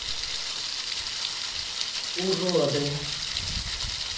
уроды